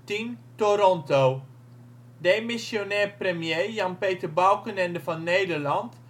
2010: Toronto: Demissionair-premier, Jan Peter Balkenende van Nederland